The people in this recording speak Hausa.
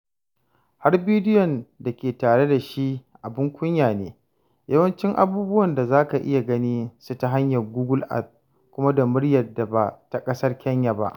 Har bidiyon da ke tare da shi abin kunya ne: yawanci abubuwan da za ka iya ganin su ta hanyar Google Earth, kuma da muryar da ba ta ƙasar Kenya ba.